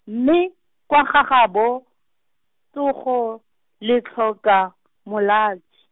mme, kwa gagabo, tsogo, le tlhoka, molatswi.